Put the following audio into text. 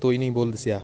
to'yning bo'ldisi yaxshi